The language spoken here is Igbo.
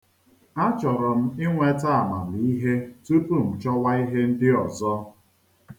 A chọrọ m inweta amamihe tupu m chọwa ihe ndị ọzọ.